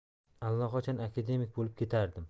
allaqachon akademik bo'lib ketarmidim